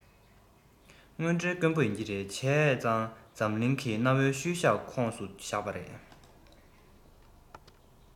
དངོས འབྲེལ དཀོན པོ ཡིན གྱི རེད བྱས ཙང འཛམ གླིང གི གནའ བོའི ཤུལ བཞག ཁོངས སུ བཞག པ རེད